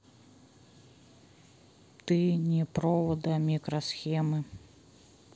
ты не провода микросхемы